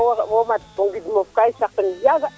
to wo mat o ngind mof kam saqin yaaga